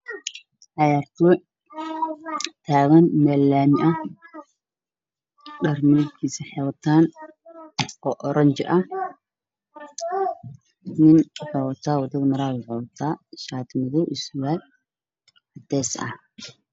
Waa wado waxaa taagan wiilal wataan fanaanado guduud ah waxaa ka dambeeya guri weyn oo dhisan